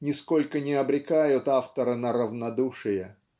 нисколько не обрекают автора на равнодушие.